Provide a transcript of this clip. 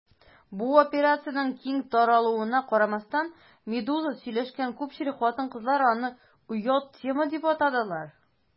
Бу операциянең киң таралуына карамастан, «Медуза» сөйләшкән күпчелек хатын-кызлар аны «оят тема» дип атадылар.